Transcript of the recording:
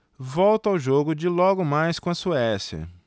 volto ao jogo de logo mais com a suécia